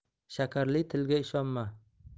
shakarli tilga ishonma